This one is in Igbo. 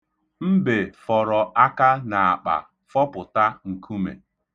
Mbe fọrọ aka n'akpa fọpụta nkume.